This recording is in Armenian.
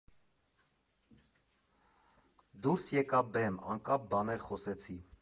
Դուրս եկա բեմ, անկապ բաներ խոսեցի։